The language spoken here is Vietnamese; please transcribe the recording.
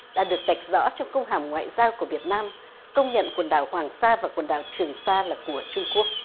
đã được vạch rõ trong công hàm ngoại giao của việt nam công nhận quần đảo hoàng sa và quần đảo trường sa là của trung quốc